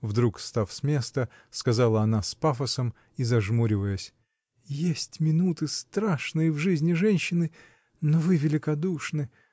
— вдруг встав с места, сказала она с пафосом и зажмуриваясь, — есть минуты, страшные в жизни женщины. Но вы великодушны!.